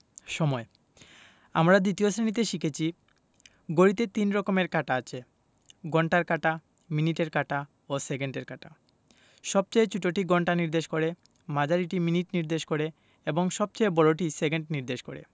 সময়ঃ আমরা ২য় শ্রেণিতে শিখেছি ঘড়িতে ৩ রকমের কাঁটা আছে ঘণ্টার কাঁটা মিনিটের কাঁটা ও সেকেন্ডের কাঁটা সবচেয়ে ছোটটি ঘন্টা নির্দেশ করে মাঝারিটি মিনিট নির্দেশ করে এবং সবচেয়ে বড়টি সেকেন্ড নির্দেশ করে